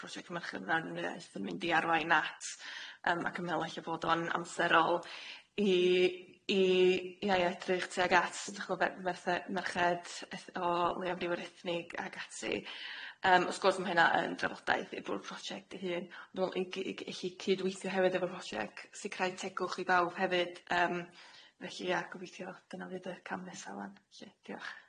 project merched mewn arweinyddieth yn mynd i arwain at ymm ac me'l ella fod o'n amserol i- i- i a'i edrych tuag at d'ch'mo' be- merched eth- o leiafrifoedd ethnig ag ati yym wrs gwrs ma' hynna yn drafodaeth i bwrdd project'i hun ond wel i g- i g- ellu cydweithio hefyd efo'r project sicrhau tegwch i bawb hefyd yym felly ie gobeithio dyna fydd y cam nesa ŵan 'lly diolch.